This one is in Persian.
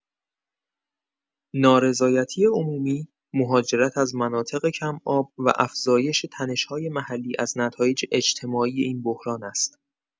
نارضایتی عمومی، مهاجرت از مناطق کم‌آب و افزایش تنش‌های محلی از نتایج اجتماعی این بحران است.